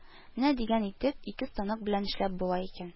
Менә дигән итеп ике станок белән эшләп була икән